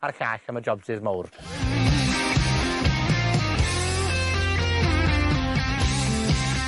a'r llall am y jobsys mowr.